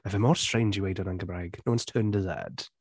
Mae fe mor strange i weud hwnna yn Gymraeg, no-one’s turned his head.